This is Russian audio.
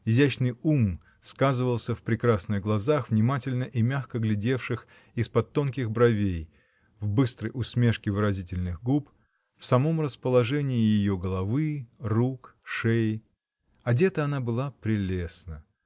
изящный ум сказывался в прекрасных глазах, внимательно и мягко глядевших из-под тонких бровей, в быстрой усмешке выразительных губ, в самом положении ее головы, рук, шеи одета она была прелестно.